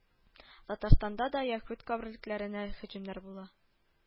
Татарстанда да яһүд каберлекләренә һөҗүмнәр була